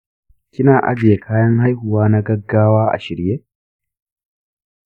kina ajiye kayan haihuwa na gaggawa a shirye?